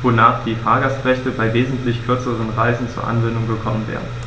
wonach die Fahrgastrechte bei wesentlich kürzeren Reisen zur Anwendung gekommen wären.